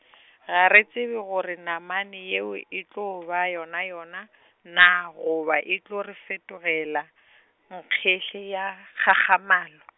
ga re tsebe gore namane yeo e tlo goba yona yona, na goba e tlo gore fetogela , nkgele ya kgagamalo.